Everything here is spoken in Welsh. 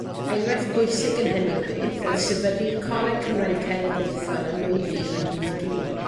Enghraifft bwysig yn hynny o beth oedd sefydlu'r Coleg Cymraeg Cenedlaethol yn nwy fil ac un deg un,